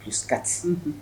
Muskati